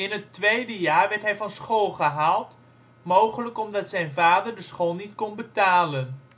het tweede jaar werd hij van school gehaald, mogelijk omdat zijn vader de school niet kon betalen